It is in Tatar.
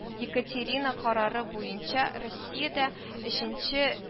Екатерина карары буенча Россиядә өченче